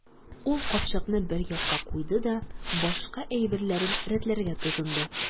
Ул капчыкны бер якка куйды да башка әйберләрен рәтләргә тотынды.